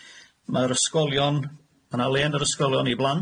ma'r ysgolion, ma' 'na le yn yr ysgolion i blant.